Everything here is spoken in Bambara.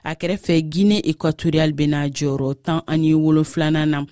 a kɛrɛfɛ guinee equatoriale bɛ na jɔyɔrɔ 17nan na